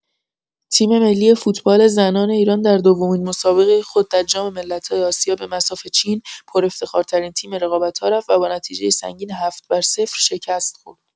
تیم‌ملی فوتبال زنان ایران در دومین مسابقه خود در جام ملت‌های آسیا به مصاف چین، پرافتخارترین تیم رقابت‌ها رفت و با نتیجه سنگین ۷ بر صفر شکست خورد.